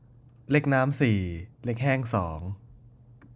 เล็กน้ำสี่เล็กแห้งสอง